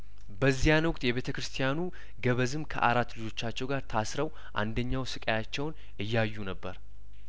በዚያን ወቅት የቤተ ክርስቲያኑ ገበዝም ከአራት ልጆቻቸው ጋር ታስረው እንደኛው ስቃያቸውን እያዩ ነበር